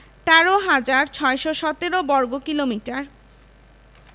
Shamshernagar STOL port Moulvibazar Comilla STOL port Lalmonirhat STOL port Thakurgaon STOL port